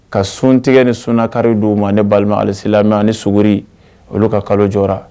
Ka sun tigɛ ni sunkariri di u ma ne balima alisela ni sgri olu ka kalo jɔra